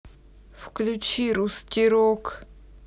включи русский рок